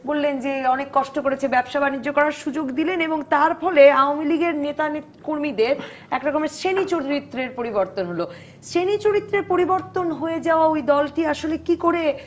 বললেন যে অনেক কষ্ট করেছে ব্যবসা বাণিজ্য করার সুযোগ দিলেন এবং তার ফলে আওয়ামী লীগের নেতাকর্মীদের এক রকমের শ্রেণী চরিত্রের পরিবর্তন হলো শ্রেণী চরিত্রের পরিবর্তন হয়ে যাওয়া ওই দলটি আসলে কি করে